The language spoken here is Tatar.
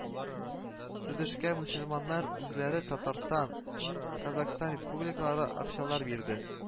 Төзелешкә мөселманнар үзләре, Татарстан, Казакъстан республикалары акчалар бирде